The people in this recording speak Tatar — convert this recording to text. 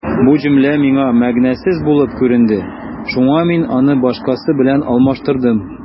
Бу җөмлә миңа мәгънәсез булып күренде, шуңа мин аны башкасы белән алмаштырдым.